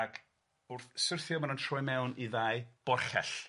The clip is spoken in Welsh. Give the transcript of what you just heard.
Ac wrth syrthio ma' nhw'n troi mewn i ddau borchell.